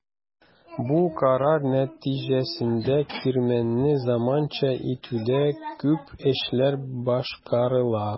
Бу карар нәтиҗәсендә кирмәнне заманча итүдә күп эшләр башкарыла.